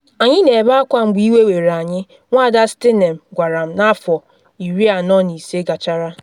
“Anyị na ebe akwa mgbe iwe were anyị,” Nwada Steinem gwara m n’afọ 45 gachara.